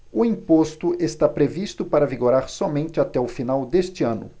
o imposto está previsto para vigorar somente até o final deste ano